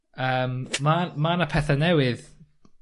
Yym ma' ma' 'na pethe newydd.